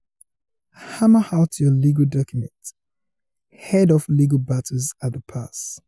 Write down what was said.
Hammer out your legal documents: Head off legal battles at the pass.